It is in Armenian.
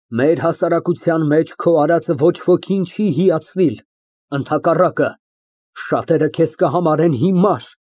Մեր հասարակության մեջ քո արածը ոչ ոքին չի հիացնիլ, ընդհակառակը, շատերը քեզ կհամարեն հիմար։